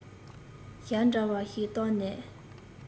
ཞབས འདྲ བ ཞིག བཏགས ནས